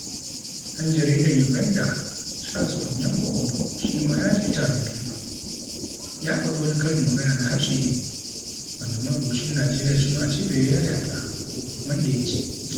ɗan jaridan Uganda, Charles Onyango-Obbo shi ma ya je taron FIFA, ya faɗi wani karin magana na harshen Ibo wanda marubucin Najeriya Chinua Achebe ya yayata, wanda ya ce: